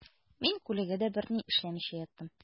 Мин күләгәдә берни эшләмичә яттым.